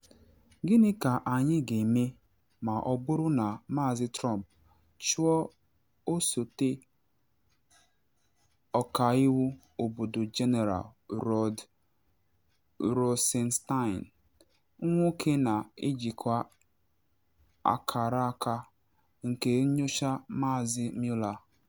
Gịnị ka anyị ga-eme ma ọ bụrụ na Maazị Trump chụọ Osote Ọkaiwu Obodo General Rod Rosenstein, nwoke na ejikwa akaraka nke nyocha Maazị Mueller?